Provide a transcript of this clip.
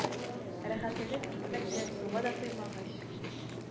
Рәхәтләнеп икмәк белән суга да туймагач,